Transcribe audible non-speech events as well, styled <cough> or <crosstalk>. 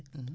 <hesitation> <hesitation>